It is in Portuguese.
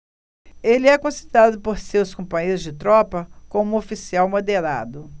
ele é considerado por seus companheiros de tropa como um oficial moderado